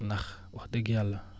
ndax wax dëgg yàlla